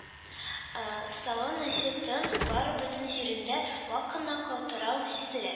Салон эче тын, бары бөтен җирендә вак кына калтырау сизелә